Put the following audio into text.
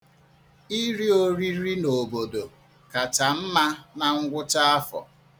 Iri oriri n'obodo kacha mma na ngwụcha afọ.